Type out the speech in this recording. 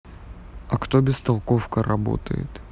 а кто бестолковка работает